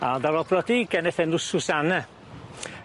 Ond ar ôl brodi geneth enw Susanna.